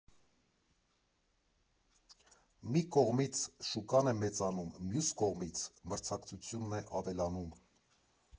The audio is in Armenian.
Մի կողմից՝ շուկան է մեծանում, մյուս կողմից՝ մրցակցությունն է ավելանում։